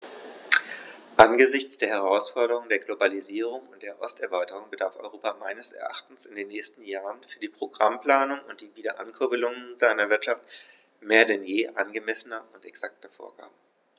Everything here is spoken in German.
Angesichts der Herausforderung der Globalisierung und der Osterweiterung bedarf Europa meines Erachtens in den nächsten Jahren für die Programmplanung und die Wiederankurbelung seiner Wirtschaft mehr denn je angemessener und exakter Vorgaben.